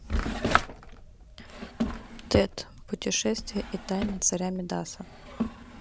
тед путешествие и тайна царя мидаса